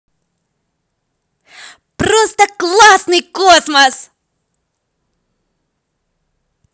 просто классный космос